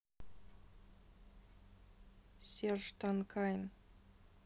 serj tankian